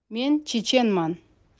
men chechenman